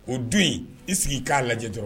O don in i sigi k'a lajɛ dɔrɔn